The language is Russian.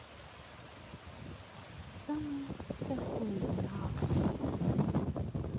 самые торгуемые акции